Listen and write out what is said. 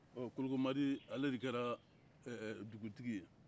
kologomadi ale de kɛra dugutigi ye